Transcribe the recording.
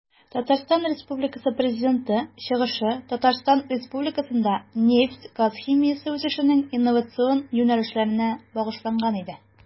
ТР Президенты чыгышы Татарстан Республикасында нефть-газ химиясе үсешенең инновацион юнәлешләренә багышланган иде.